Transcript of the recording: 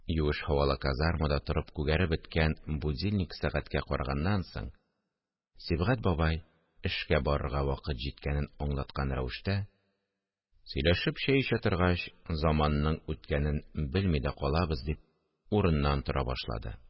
Юеш һавалы казармада торып күгәреп беткән будильник сәгатькә караганнан соң, Сибгать бабай, эшкә барырга вакыт җиткәнен аңлаткан рәвештә: – Сөйләшеп чәй эчә торгач, заманның үткәнен белми дә калабыз, – дип, урыннан тора башлады